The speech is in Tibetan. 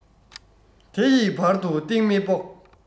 དེ ཡི བར དུ གཏིང མི དཔོགས